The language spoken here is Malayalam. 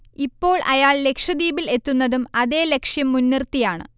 ഇപ്പോൾ അയാൾ ലക്ഷദ്വീപിൽ എത്തുന്നതും അതേ ലക്ഷ്യം മുൻനിർത്തിയാണ്